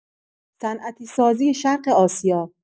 صنعتی‌سازی شرق آسیا